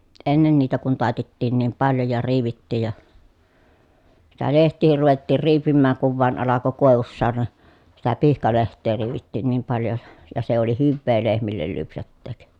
ennen niitä kun taitettiin niin paljon ja riivittiin ja sitä lehtiäkin ruvettiin riipimään kun vain alkoi koivussa ne sitä pihkalehteä riivittiin niin paljon ja ja se oli hyvää lehmille lypsättää